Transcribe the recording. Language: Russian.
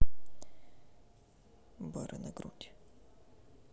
бар на грудь